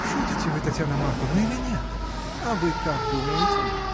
Шутите вы, Татьяна Марковна, или нет? — А вы как думаете?